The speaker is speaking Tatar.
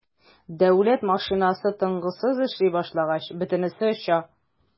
Дәүләт машинасы тынгысыз эшли башлагач - бөтенесе оча.